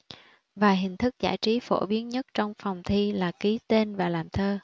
và hình thức giải trí phổ biến nhất trong phòng thi là ký tên và làm thơ